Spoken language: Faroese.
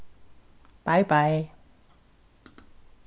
bei bei